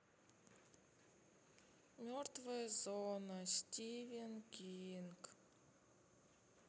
мертвая зона стивен кинг